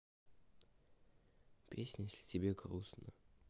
песня если тебе будет грустно